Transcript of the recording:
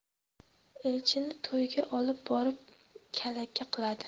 elchinni to'yga olib borib kalaka qiladi